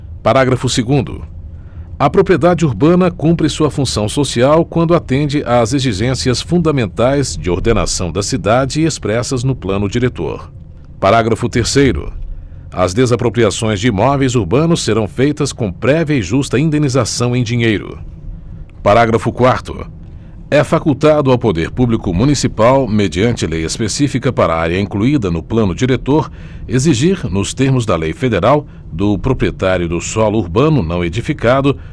parágrafo segundo a propriedade urbana cumpre sua função social quando atende às exigências fundamentais de ordenação da cidade expressas no plano diretor parágrafo terceiro as desapropriações de imóveis urbanos serão feitas com prévia e justa indenização em dinheiro parágrafo quarto é facultado ao poder público municipal mediante lei específica para área incluída no plano diretor exigir nos termos da lei federal do proprietário do solo urbano não edificado